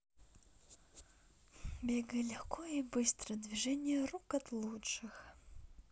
бегай легко и быстро движение рук от лучших